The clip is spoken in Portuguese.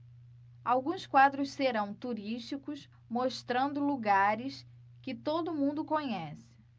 alguns quadros serão turísticos mostrando lugares que todo mundo conhece